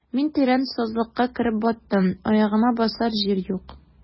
Мин тирән сазлыкка кереп баттым, аягыма басар җир юк.